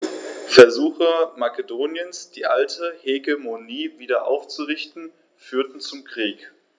Versuche Makedoniens, die alte Hegemonie wieder aufzurichten, führten zum Krieg.